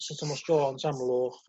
Syr Tomos Jones Amlwch